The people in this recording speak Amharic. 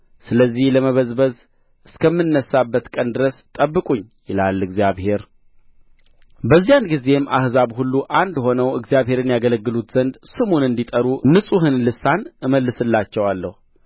ስለዚህ ለመበዝበዝ እስከምነሣበት ቀን ድረስ ጠብቁኝ ይላል እግዚአብሔር በዚያን ጊዜም አሕዛብ ሁሉ አንድ ሆነው እግዚአብሔርን ያገለግሉት ዘንድ ስሙን እንዲጠሩ ንጹሐን ልሳን እመልስላቸዋለሁ